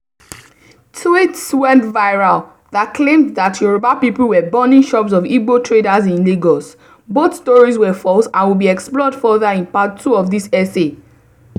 Tweets went viral that claimed that Yoruba people were burning shops of Igbo traders in Lagos. Both stories were false and will be explored further in Part II of this essay.